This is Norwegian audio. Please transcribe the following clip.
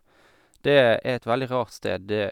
Det er et veldig rart sted, det...